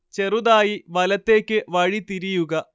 ചെറുതായി വലത്തേക്ക് വഴിതിരിയുക